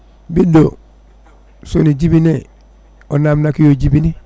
ɓiɗɗo sone jibine o namdaki yo jibine